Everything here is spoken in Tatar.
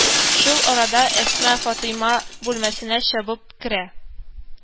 Шул арада Әсма Фатыйма бүлмәсенә чабып керә